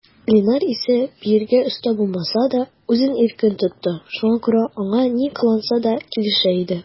Линар исә, биергә оста булмаса да, үзен иркен тотты, шуңа күрә аңа ни кыланса да килешә иде.